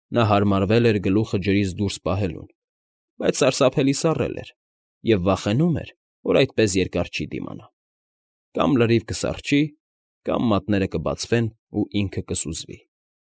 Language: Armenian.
Նա հարմարվել էր գլուխը ջրից դուրս պահելուն, բայց սարսափելի սառել էր և վախենում էր, որ այդպես երկար չի դիմանա՝ կամ լրիվ կսառչի, կամ մատները կբացվեն, ու ինքը կսուզվի։